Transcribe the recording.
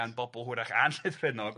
gan bobl hwyrach annlythrennog